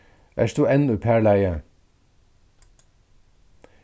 ert tú enn í parlagi